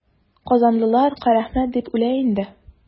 Казанлылар Карәхмәт дип үлә инде.